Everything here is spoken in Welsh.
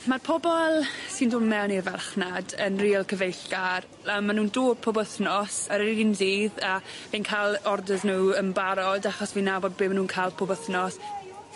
Ma'r pobol sy'n do' mewn i'r farchnad yn ril cyfeillgar a my' nw'n dod pob wthnos ar yr un dydd a fi'n ca'l orders nw yn barod achos fi'n nabod be' ma' nw'n ca'l pob wthnos.